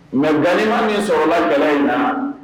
Nka nkaloninma min sɔrɔla gɛlɛ in na